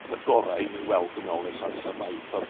Y gorau i mi weld, dwi'n me'wl, ers amsar maith o'dd